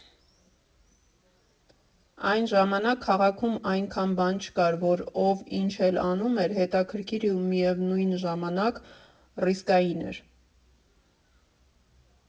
Այն ժամանակ քաղաքում այնքան բան չկար, որ ով ինչ էլ անում էր՝ հետաքրքիր ու միևնույն ժամանակ ռիսկային էր։